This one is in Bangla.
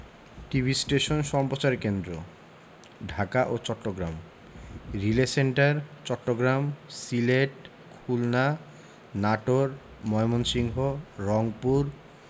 টিভি স্টেশন সম্প্রচার কেন্দ্রঃ ঢাকা ও চট্টগ্রাম রিলে সেন্টার চট্টগ্রাম সিলেট খুলনা নাটোর ময়মনসিংহ রংপুর